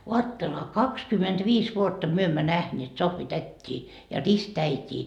ajattelehan kaksikymmentäviisi vuotta me emme nähneet Sohvi-tätiä ja ristiäitiä